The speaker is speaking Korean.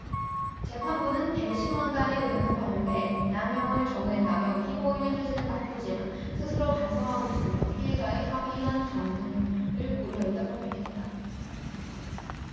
재판부는 배심원단의 의견을 반영해 양형을 정했다며 피고인의 죄질은 나쁘지만 스스로 반성하고 있으며 피해자와 합의한 점 등을 고려했다고 밝혔다